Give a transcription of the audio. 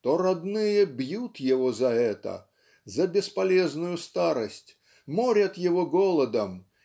то родные бьют его за это за бесполезную старость морят его голодом